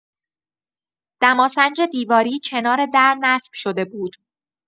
دماسنج دیواری کنار در نصب شده بود.